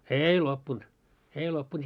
ei loppunut ei loppunut